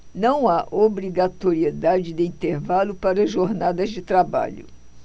não há obrigatoriedade de intervalo para jornadas de trabalho